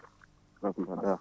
Ba mbɗɗa